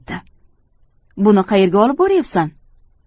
buni qayerga olib boryapsan